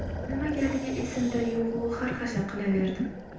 nimagaligi esimda yo'g'u xarxasha qilaverdim